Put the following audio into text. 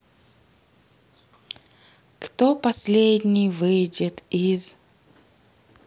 кто последний выйдет из